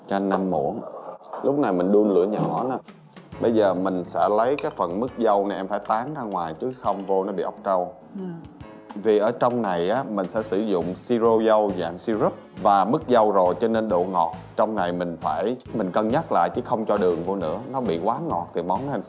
cho anh năm muỗng lúc này mình đun lửa nhỏ nà bây giờ mình sẽ lấy cái phần mứt dâu nè em phải tán ra ngoài chứ không vô nó bị óc trâu vì ở trong này á mình sẽ sử dụng si rô dâu và si rúp và mứt dâu rồi cho nên độ ngọt trong này mình phải mình cân nhắc lại chứ không cho đường vô nữa nó bị quá ngọt thì món